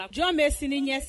A jɔn bɛ seni ɲɛs